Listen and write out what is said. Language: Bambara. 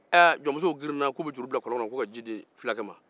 jɔnmusow girinna k'u bɛ juru bila kɔlɔn kɔnɔ ka ji di fulakɛ ma